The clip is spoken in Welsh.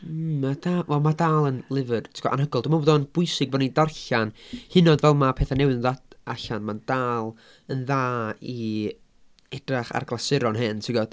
Mm, ma' da- wel mae dal yn lyfr ti'n gwybod anhygoel. Dwi'n meddwl bod o'n bwysig bod ni'n darllen hyd yn oed fel ma' pethau newydd yn mynd ad- allan. Mae'n dal yn dda i edrych ar glasuron hen ti'n gwybod?